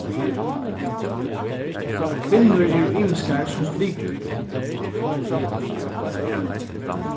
kvinnur eru ymiskar sum flykrur